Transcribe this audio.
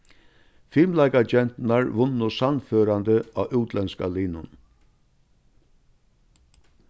fimleikagenturnar vunnu sannførandi á útlendska liðnum